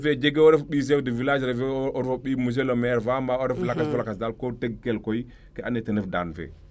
jege wo ref o mbi chef du village refee o ref o ɓiy monsieur le maire faa mbaa o ref lakas fo lakas daal ko teg kel koy kee ando naye ten ref daan fee